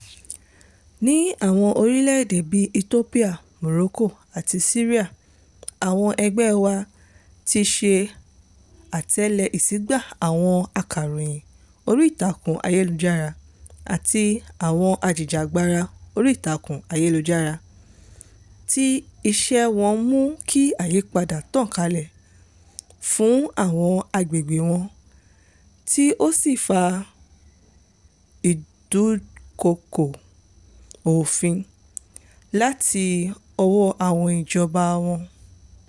Ní àwọn orílẹ̀ èdè bíi Ethiopia, Morocco àti Syria àwọn ẹgbẹ́ wa ti ṣe atẹ̀lé ìsingbà àwọn akọ̀ròyìn orí ìtàkùn ayélujára àti àwọn ajìjàgbara orí ìtàkùn ayélujára tí iṣẹ́ wọn mú kí ìyípadà tàn kalẹ̀ fún àwọn àgbègbè wọn tí ó sì fa ìdúkokò òfin láti ọwọ́ àwọn ìjọba wọn.